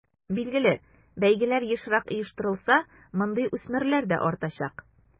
Билгеле, бәйгеләр ешрак оештырылса, мондый үсмерләр дә артачак.